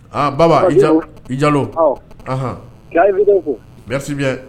Aa baba i ja i jalo aɔn npbi